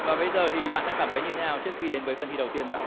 và bây giờ thì bạn đang cảm thấy như thế nào trước khi đến với phần thi đầu tiên rồi ạ